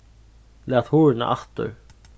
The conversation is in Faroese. lat hurðina aftur